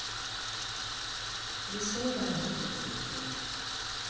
веселая музыка ютуб